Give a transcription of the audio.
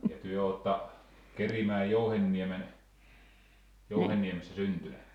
ja te olette Kerimäen Jouhenniemen Jouhenniemessä syntynyt